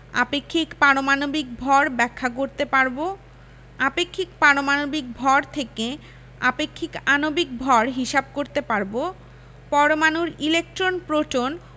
আপেক্ষিক পারমাণবিক ভর ব্যাখ্যা করতে পারব আপেক্ষিক পারমাণবিক ভর থেকে আপেক্ষিক আণবিক ভর হিসাব করতে পারব পরমাণুর ইলেকট্রন প্রোটন